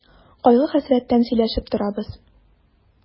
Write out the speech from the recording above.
Кайгы-хәсрәттән сөйләшеп торабыз.